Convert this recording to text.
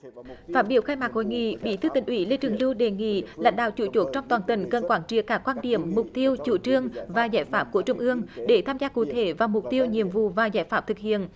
phát biểu khai mạc hội nghị bí thư tỉnh ủy lê trường lưu đề nghị lãnh đạo chủ chốt trong toàn tỉnh cần quán triệt các quan điểm mục tiêu chủ trương và giải pháp của trung ương để tham gia cụ thể vào mục tiêu nhiệm vụ và giải pháp thực hiện